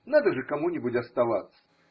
Надо же кому-нибудь оставаться.